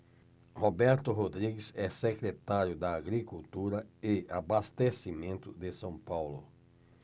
roberto rodrigues é secretário da agricultura e abastecimento de são paulo